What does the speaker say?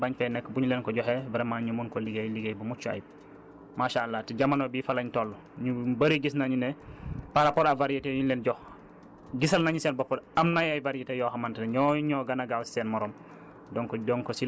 que ñu nekk fii ñu bañ fee nekk bu ñu leen ko joxee vraiment ñu mun ko liggéey liggéey bu mucc ayib maasàllaa te jamono bii fa lañ toll ñu bëri gis nañu ne par rapport ak variétés yi ñu leen jox gisal nañu seen bopp am na ay variétés yoo xamante ne ñooñu ñoo gën a gaaw seen morom